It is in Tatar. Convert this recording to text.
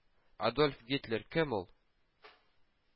“адольф гитлер – кем ул?”,